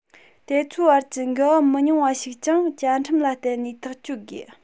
དེ ཚོའི བར གྱི འགལ བ མི ཉུང བ ཞིག ཀྱང བཅའ ཁྲིམས ལ བརྟེན ནས ཐག གཅོད དགོས